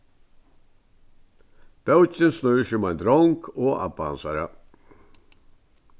bókin snýr seg um ein drong og abba hansara